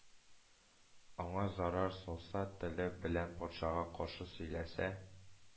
Аңа зарар салса, теле белән патшага каршы сөйләсә,